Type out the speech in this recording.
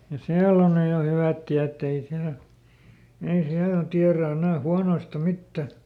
ja siellä on nyt jo hyvät tiet ei siellä ei siellä tiedä enää huonoista mitään